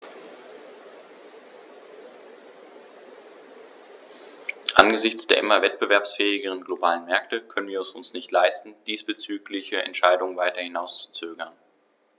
Angesichts der immer wettbewerbsfähigeren globalen Märkte können wir es uns nicht leisten, diesbezügliche Entscheidungen weiter hinauszuzögern.